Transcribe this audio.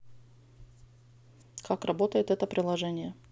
как работает это приложение